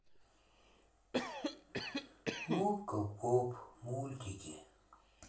губка боб мультики